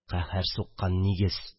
Каһәр суккан нигез